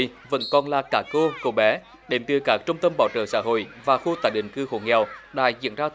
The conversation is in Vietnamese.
đi vẫn còn là các cô cậu bé đến từ các trung tâm bảo trợ xã hội và khu tái định cư hộ nghèo đã diễn ra